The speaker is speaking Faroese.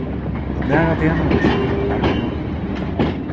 nær á degnum ert tú liðug at arbeiða